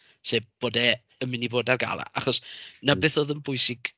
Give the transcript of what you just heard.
Sef bod e yn mynd i fod ar gael. Achos 'na beth oedd yn bwysig